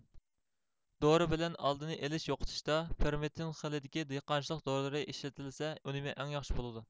دورا بىلەن ئالدىنى ئېلىش يوقىتىشتا پىرمېترىن خىلىدىكى دېھقانچىلىق دورىلىرى ئىشلىتىلسە ئۈنۈمى ئەڭ ياخشى بولىدۇ